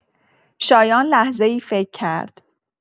شایان لحظه‌ای فکر کرد.